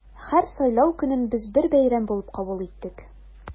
Һәр сайлау көнен без бер бәйрәм булып кабул иттек.